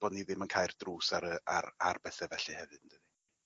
bod ni ddim yn cae'r drws ar yy ar ar bethe felly hefyd on'd 'i?